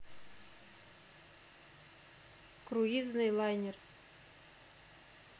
круизный лайнер